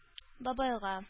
Бабайга